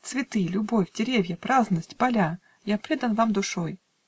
Цветы, любовь, деревня, праздность, Поля! я предан вам душой.